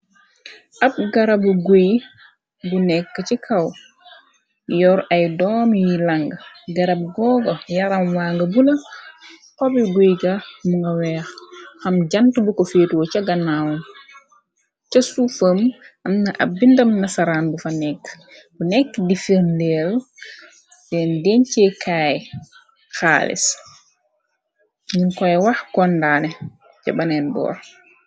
Ab garab guy bu nekk ci kaw yor ay doom yiy lang garab googo yaram wang bu la xobi guy ga mu nga weex xam jànt bu ko fiito ca gannaawum ca suu fëm amna ab bindam na saraan du fa nekk bu nekk di firndeel deen deñ ci kaay xaalis ni koy wax kondaane ca baneen boor.